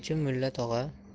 nechun mulla tog'a